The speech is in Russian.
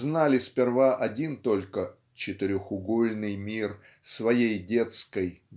знали сперва один только "четырехугольный мир" своей детской